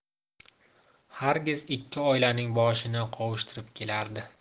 hargiz ikki oilaning boshini qovushtirib kelardi